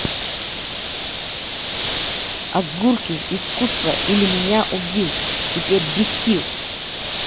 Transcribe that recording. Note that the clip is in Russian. огурки искусство или меня убил теперь бесил